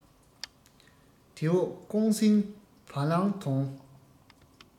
དེ འོག ཀོང སྲིང བ ལང དོང